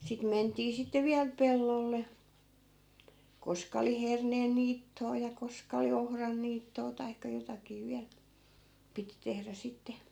sitten mentiin sitten vielä pellolle koska oli herneen niittoa ja koska oli ohran niittoa tai jotakin vielä piti tehdä sitten